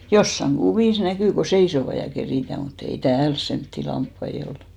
jossakin kuvissa näkyy kun seisovat ja keritään mutta ei täällä semmoisia lampaita ole